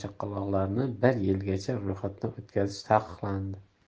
chaqaloqlarni bir yilgacha ro'yxatdan o'tkazish taqiqlandi